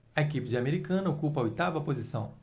a equipe de americana ocupa a oitava posição